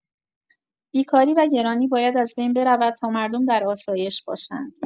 بیکاری و گرانی باید از بین برود تا مردم در آسایش باشند.